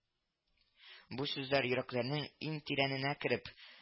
Бу сүзләр йөрәкләрнең иң тирәненә кереп